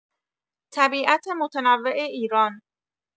طبیعت متنوع ایران